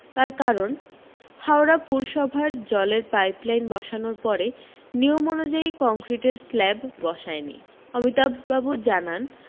তার কারণ হাওড়া পুরসভা জলের পাইপলাইন বসানোর পরে নিয়ম অনু্যায়ী কংক্রিটের স্ল্যাব বসায়নি অমিতাভবাবু জানান